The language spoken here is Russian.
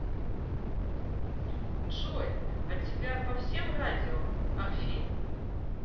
джой а тебя по всем радио орфей